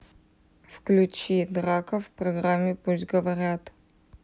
включи драка в программе пусть говорят